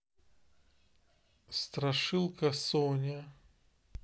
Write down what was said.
страшилка соня